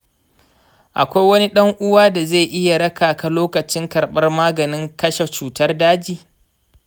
akwai wani ɗan uwa da zai iya raka ka lokacin karban maganin kashe cutar daji?